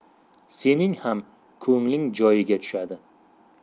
sening ham ko'ngling joyiga tushadi